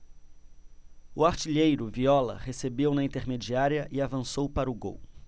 o artilheiro viola recebeu na intermediária e avançou para o gol